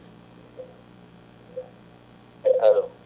allo